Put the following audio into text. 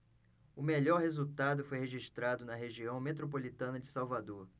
o melhor resultado foi registrado na região metropolitana de salvador